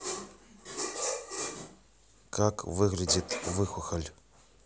как выглядит выхухоль